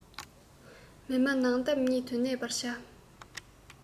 མི སྨྲ ནགས འདབས ཉིད དུ གནས པར བྱ